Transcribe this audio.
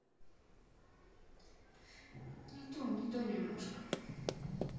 не то не то немножко